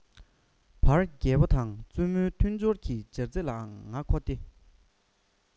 བར རྒྱལ པོ དང བཙུན མོའི མཐུན སྦྱོར གྱི སྦྱར རྩི ལའང ང མཁོ སྟེ